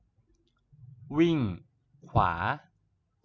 วิ่่งขวา